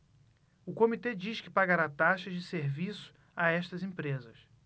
o comitê diz que pagará taxas de serviço a estas empresas